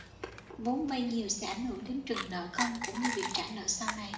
vốn vay nhiều sẽ ảnh hưởng đến trần nợ công cũng như việc trả nợ sau này